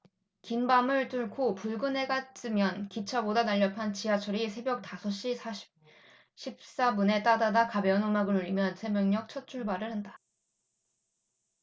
긴 밤을 뚫고 붉은 해가 뜨면 기차보다 날렵한 지하철이 새벽 다섯시 십사분에 따따따따 가벼운 음악을 울리며 새벽녘 첫출발을 한다